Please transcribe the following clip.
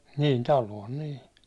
niin taloon niin